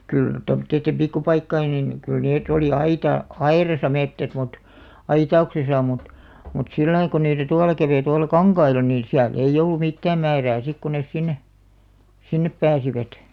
kyllä tuommoisten pikkupaikkojen niin kyllä ne oli - aidassa metsät mutta aitauksessa mutta mutta sillä lailla kun niitä tuolla kävi tuolla kankailla niin siellä ei ollut mitään määrää sitten kun ne sinne sinne pääsivät